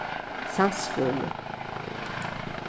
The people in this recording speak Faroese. sands skúli